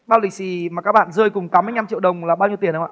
bao lì xì mà các bạn rơi cùng tám mươi lăm triệu đồng là bao nhiêu tiền không ạ